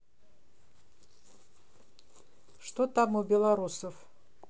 что там у белоруссов